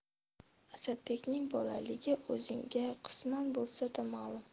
asadbekning bolaligi o'zingizga qisman bo'lsa da ma'lum